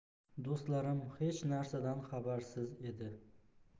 do'stlarim hech narsadan xabarsiz edi